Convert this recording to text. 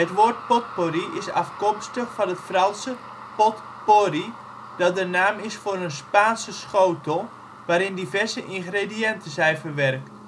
woord potpourri is afkomstig van het Franse Pot pourri, dat de naam is voor een Spaanse schotel waarin diverse ingrediënten zijn verwerkt